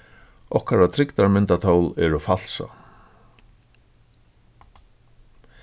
okkara trygdarmyndatól eru falsað